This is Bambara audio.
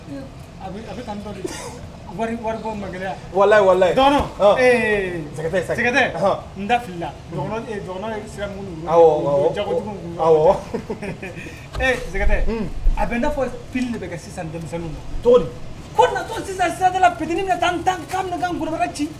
Asɛgɛ n da sɛgɛ a bɛ nfɔ pdi de bɛ kɛ sisan denmisɛnnin todi ko natɔ sisanda ptdi bɛ tan an ci